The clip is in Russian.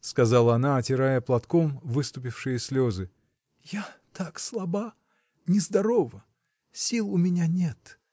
— сказала она, отирая платком выступившие слезы, — я так слаба. нездорова. сил у меня нет.